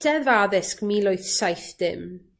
Deddf Addysg mil wyth saith dim.